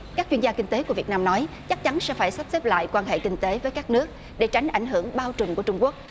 các chuyên gia kinh tế của việt nam nói chắc chắn sẽ phải sắp xếp lại quan hệ kinh tế với các nước để tránh ảnh hưởng bao trùm của trung quốc